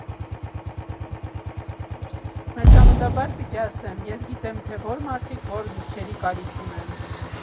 Մեծամտաբար պիտի ասեմ՝ ես գիտեմ, թե ո՛ր մարդիկ ո՛ր գրքերի կարիք ունեն։